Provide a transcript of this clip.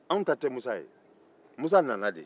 anw ta tɛ musa ye musa nana de